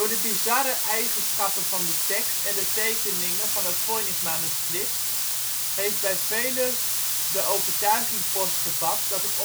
de bizarre eigenschappen van de tekst en de tekeningen van het Voynichmanuscript heeft bij velen de overtuiging postgevat dat